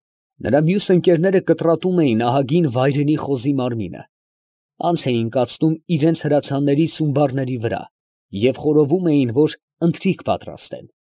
Նրա մյուս ընկերները կտրատում էին ահագին վայրենի խոզի մարմինը, անց էին կացնում իրանց հրացանների սումբաների վրա, և խորովում էին, որ ընթրիք պատրաստեն։